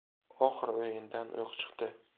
oxiri o'yindan o'q chiqdi